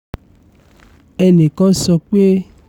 Ẹnìkan sọ pé: